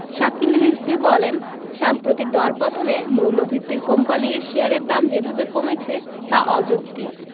শাকিল রিজভী বলেন সাম্প্রতিক দরপতনে মৌলভিত্তির কোম্পানির শেয়ারের দাম যেভাবে কমেছে তা অযৌক্তিক